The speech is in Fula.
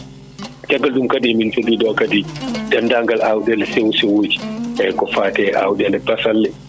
caggal ɗum kadi min joguiɗo kadi deendaangal awɗele sewo sewoji eyyi ko fate awɗele basalle